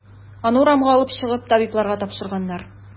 Аны урамга алып чыгып, табибларга тапшырганнар.